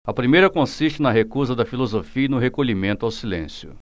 a primeira consiste na recusa da filosofia e no recolhimento ao silêncio